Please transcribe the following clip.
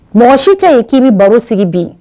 Mɔgɔ si tɛ yen k'i bɛ baro sigi bi